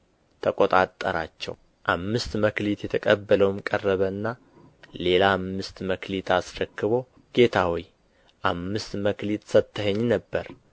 ተቆጣጠራቸው አምስት መክሊት የተቀበለውም ቀረበና ሌላ አምስት መክሊት አስረክቦ ጌታ ሆይ አምስት መክሊት ሰጥተኸኝ ነበር